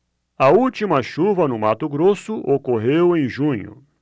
a última chuva no mato grosso ocorreu em junho